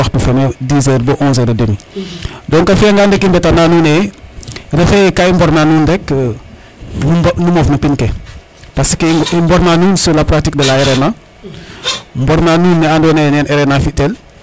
waxtu fene dix heures ba 11 heure et demi donc a fia ngan rek i mbeta na nuun ne refe ye ka i mborme a nuun rek nu moof no pin ke parce :frea que i mborme a nuun sur la pratique de la RNA mborme a nuun ne ando naye nen RNA fi tel